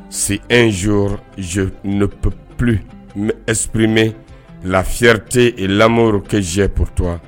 Si ezo zp bɛ esprime lafiyɛyate lamɔro kɛ zepot